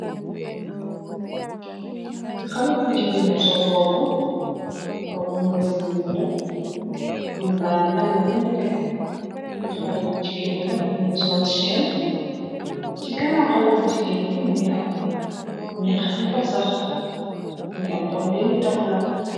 khaleh bu jigeen bu sol robu robu mbasin bu bulo bunj damineh wonj bu neteh khaleh bu jigeen bi nak mungi sol chéen si ganam khaleh bu jigeen bi mungi am nyaax yufa saax mungi am tam benue tableu